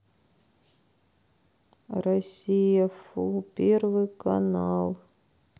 россия фу первый канал